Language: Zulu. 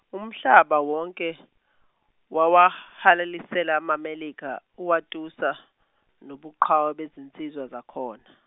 umhlaba wonke, wawahalalisela amaMelika watusa, nobuqhawe bezinsizwa zakhona.